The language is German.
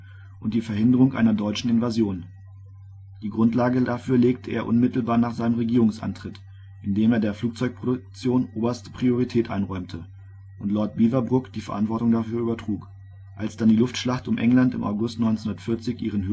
Verhinderung einer deutschen Invasion. Die Grundlage dafür legte er unmittelbar nach seinem Regierungsantritt, indem er der Flugzeugproduktion oberste Priorität einräumte und Lord Beaverbrook die Verantwortung dafür übertrug. Als dann die Luftschlacht um England im August 1940 ihren Höhepunkt